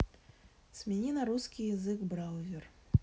смени на русский язык браузер